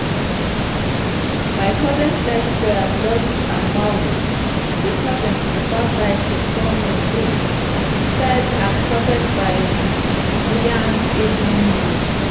"My cousin's legs were bloody and mangled," the cousin, referred to by his surname "Wu," said, as quoted by the Guiyang Evening News.